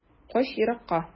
Кач еракка.